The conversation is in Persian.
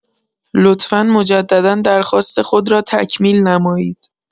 لطفا مجددا درخواست خود را تکمیل نمایید.